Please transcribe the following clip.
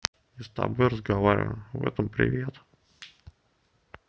и с тобой разговариваю в этом привет